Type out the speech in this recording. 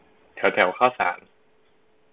แถวแถวข้าวสาร